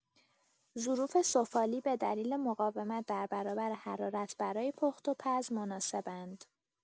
ظروف سفالی به دلیل مقاومت در برابر حرارت برای پخت‌وپز مناسب‌اند.